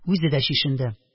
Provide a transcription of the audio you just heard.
Үзе дә чишенде